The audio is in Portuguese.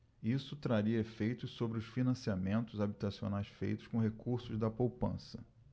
isso traria efeitos sobre os financiamentos habitacionais feitos com recursos da poupança